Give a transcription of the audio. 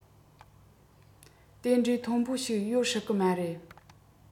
དེ འདྲའི མཐོན པོ ཞིག ཡོད སྲིད གི མ རེད